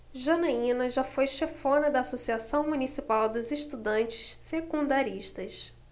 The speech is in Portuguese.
janaina foi chefona da ames associação municipal dos estudantes secundaristas